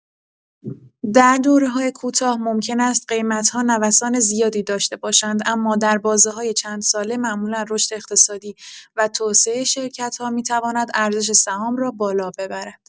در دوره‌های کوتاه ممکن است قیمت‌ها نوسان زیادی داشته باشند اما در بازه‌های چندساله معمولا رشد اقتصادی و توسعه شرکت‌ها می‌تواند ارزش سهام را بالا ببرد.